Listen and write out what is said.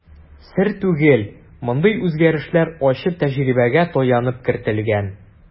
Сер түгел, мондый үзгәрешләр ачы тәҗрибәгә таянып кертелгән.